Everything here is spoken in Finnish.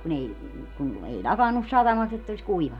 kun ei kun ei lakannut satamasta että olisi kuivannut